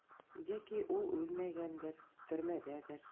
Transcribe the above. Яки ул үлмәгәндер, төрмәдәдер?